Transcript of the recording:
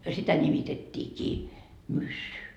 sitä nimitettiinkin myssy